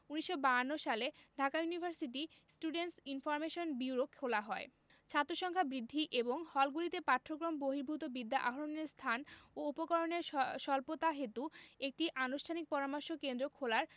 ১৯৫২ সালে Dhaka university students information bureau খোলা হয় ছাত্রসংখ্যা বৃদ্ধি এবং হলগুলিতে পাঠক্রম বহির্ভূত বিদ্যা আহরণের স্থান ও উপকরণের স্বল্পতাহেতু একটি আনুষ্ঠানিক পরামর্শ কেন্দ্র খোলার